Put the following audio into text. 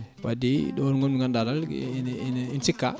wadde ɗo to gonmi ganduɗa ɗo ene ene cikka